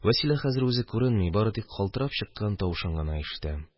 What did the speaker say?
Вәсилә хәзер үзе күренми, бары тик калтырап чыккан тавышын гына ишетәм: